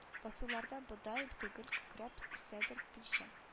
Басуларда бодай түгел күкрәп үсәдер билчән